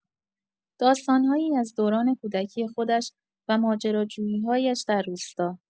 داستان‌هایی از دوران کودکی خودش و ماجراجویی‌هایش در روستا.